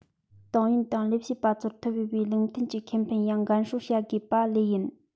ཏང ཡོན དང ལས བྱེད པ ཚོར ཐོབ འོས པའི ལུགས མཐུན གྱི ཁེ ཕན ཡང འགན སྲུང བྱ དགོས པ ལོས ཡིན